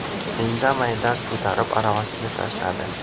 indamay dast ko'tarib aravasiga tashladi